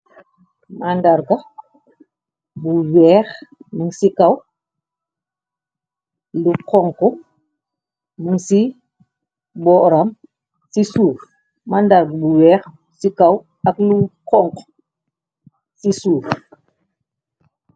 Màndarga bu weex mung ci kaw lu xonxa mung ci boram ci suuf màndarga bu weex ci kaw ak lu xonku ci suuf.